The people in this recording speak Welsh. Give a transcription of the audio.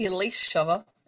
I leisio fo...